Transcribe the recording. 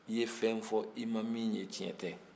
i ye fɛn fɔ i ma min ye tiɲɛ tɛ